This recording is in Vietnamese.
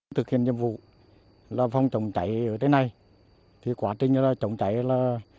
thực hiện nhiệm vụ làm phòng chống cháy ở trên này thì quá trình là chống cháy là